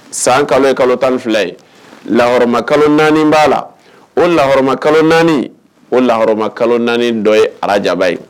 San kalo kalo ta fila ye la kalo naani b'a la o la naani o la naani dɔ ye ararababa ye